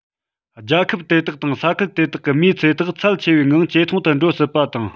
རྒྱལ ཁབ དེ དག དང ས ཁུལ དེ དག གི མིའི ཚེ ཐག ཚད ཆེ བའི ངང ཇེ ཐུང དུ འགྲོ སྲིད པ དང